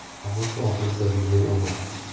og'iz og'izdan yel olar